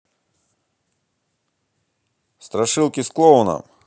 страшилки с клоуном